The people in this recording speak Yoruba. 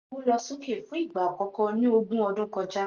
Iye owó lọ sókè fún ìgbà àkọ́kọ́ ní ògún ọdún kọjá .